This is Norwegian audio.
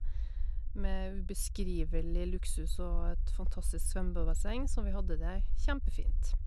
Med ubeskrivelig luksus og et fantastisk svømmebasseng, så vi hadde det kjempefint.